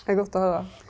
det er godt å høyra.